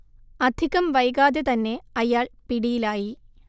അധികം വൈകാതെ തന്നെ അയാൾ പിടിയിലായി